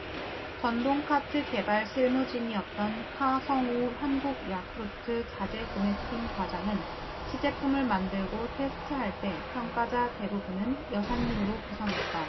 전동카트 개발 실무진이었던 하성오 한국야쿠르트 자재구매팀 과장은 시제품을 만들고 테스트할 때 평가자 대부분은 여사님으로 구성했다